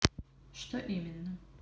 что именно